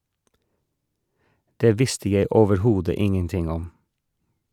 - Det visste jeg overhodet ingenting om.